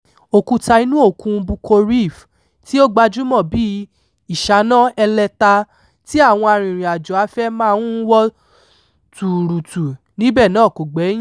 Òkúta inú òkun Buccoo Reef tí o gbajúmọ̀ bí ìṣáná ẹlẹ́ta tí àwọn arìnrìn-àjò afẹ́ máa ń wọ́ tùùrùtù níbẹ̀ náà kò gbẹ́yìn.